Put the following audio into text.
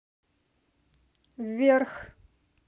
вверх